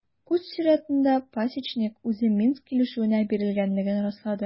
Үз чиратында Пасечник үзе Минск килешүенә бирелгәнлеген раслады.